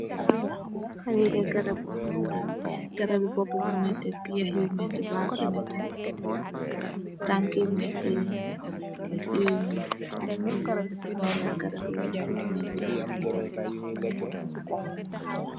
Alite garab la garabi bopp bu mete gyaxyu meti bal bu mite tanki mete aj yuyna garabla garab yaale ak mettit.